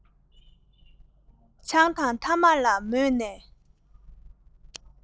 ཆང དང ཐ མག ལ མོས ནས